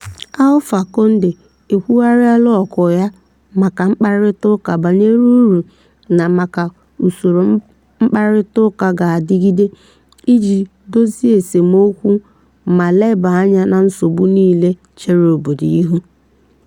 Alpha Condé ekwugharịala òkù ya maka mkparịta ụka bara uru na maka usoro mkparịtaụka ga-adịgide iji dozie esemokwu ma lebaa anya na nsogbu niile chere obodo ihu.